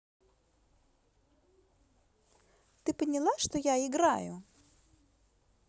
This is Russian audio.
ты поняла что я играю